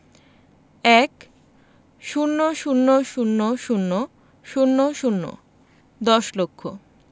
১০০০০০০ দশ লক্ষ